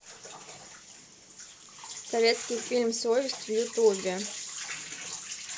советский фильм совесть в ютубе